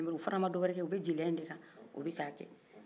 u fana ma dɔ wɛrɛ kɛ u bɛ jeliya in de la k'o kɛ